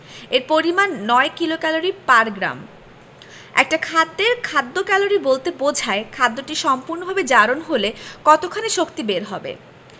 এর পরিমান ৯ kilocalorie per gram একটা খাদ্যের খাদ্য ক্যালোরি বলতে বোঝায় খাদ্যটি সম্পূর্ণভাবে জারণ হলে কতখানি শক্তি বের হবে